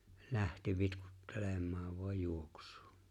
lähti vitkuttelemaan vain juoksuun